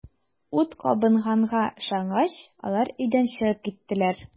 Ут кабынганга ышангач, алар өйдән чыгып киттеләр.